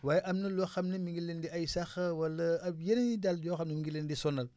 waaye am na loo xam ne mi ngi leen di ay sax wala ak yeneen yi daal yoo xam ne mi ngi leen di sonal